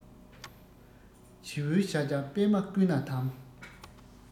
བྱེའུའི ཤ སྦྱར པདྨར བསྐུས ན དམ